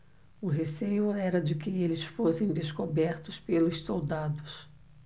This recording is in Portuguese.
o receio era de que eles fossem descobertos pelos soldados